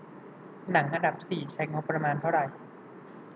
หนังอันดับสี่ใช้งบประมาณเท่าไหร่